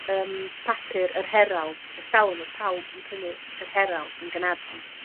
yym papur yr Herald, e's dalwm odd pawb yn prynu yr Herald yn Ganarfon.